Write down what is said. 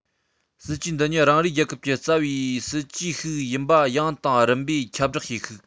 སྲིད ཇུས འདི ཉིད རང རེའི རྒྱལ ཁབ ཀྱི རྩ བའི སྲིད ཇུས ཤིག ཡིན པ ཡང དང རིམ པས ཁྱབ བསྒྲགས བྱས ཤིང